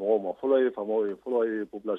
Fɔlɔ ye faama ye fɔlɔ ye p